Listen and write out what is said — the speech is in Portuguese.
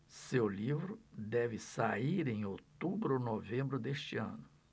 seu livro deve sair em outubro ou novembro deste ano